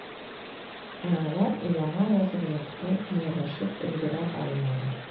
Ә алар яңа вәзгыятькә ияләшеп өлгерә алмады.